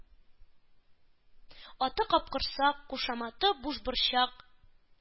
Аты — Капкорсак, кушаматы Бушборчак